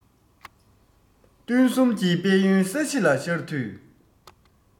སྟོན གསུམ གྱི དཔལ ཡོན ས གཞི ལ ཤར དུས